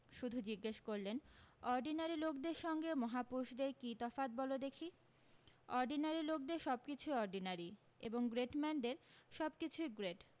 শুধু জিজ্ঞেস করলেন অর্ডিনারি লোকদের সঙ্গে মহাপুরুষদের কী তফাত বলো দেখি অর্ডিনারি লোকদের সব কিছুই অর্ডিনারি এবং গ্রেটম্যানদের সব কিছুই গ্রেট